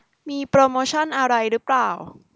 มีโปรโมชั่นอะไรหรือเปล่า